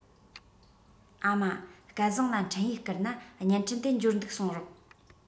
ཨ མ སྐལ བཟང ལ འཕྲིན ཡིག བསྐུར ན བརྙན འཕྲིན དེ འབྱོར འདུག གསུངས རོགས